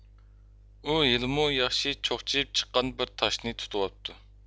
ئۇ ھېلىمۇ ياخشى چوقچىيىپ چىققان بىر تاشنى تۇتۇۋاپتۇ